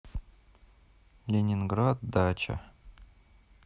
ленинград дача